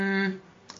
Yym.